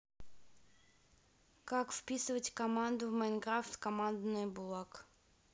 как вписывать команду в minecraft в командной булак